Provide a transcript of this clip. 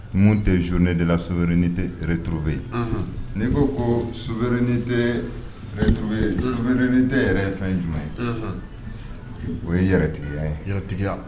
Numu tɛ zo ne de la so tɛ tuuruorofeye n'i ko ko so wɛrɛrin tɛoroini tɛ yɛrɛ ye fɛn jumɛn ye o ye yɛrɛtigiya ye yɛrɛtigiya